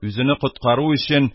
, үзене коткару өчен